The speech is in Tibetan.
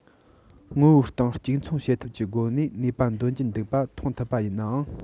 ངོ བོའི སྟེང གཅིག མཚུངས བྱེད ཐབས ཀྱི སྒོ ནས ནུས པ འདོན གྱི འདུག པ མཐོང ཐུབ པ ཡིན ནའང